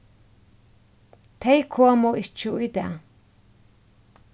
tey komu ikki í dag